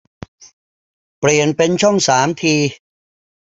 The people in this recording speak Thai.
เปลี่ยนเป็นช่องสามที